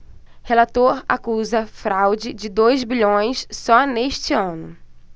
relator acusa fraude de dois bilhões só neste ano